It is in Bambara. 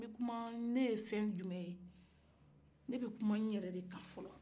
nbɛ kuma ne yɛrɛ fɛn jumɛn ye ne bɛ kuma nyɛrɛ de kan fɔlɔ